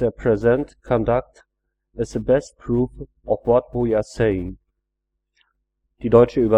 present conduct is the best proof of what we are saying.” „ Heute